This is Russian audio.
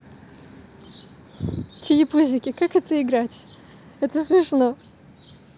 телепузики как это играть это смешно